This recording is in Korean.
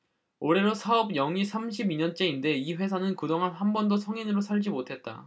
올해로 사업 영위 삼십 이 년째인데 이 회사는 그동안 한 번도 성인으로 살지 못했다